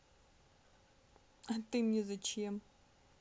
а ты мне зачем